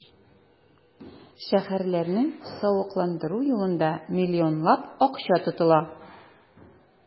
Шәһәрләрне савыкландыру юлында миллионлап акча тотыла.